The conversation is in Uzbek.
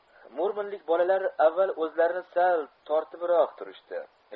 murmanlik bolalar avval o'zlarini sal tortibroq turishdi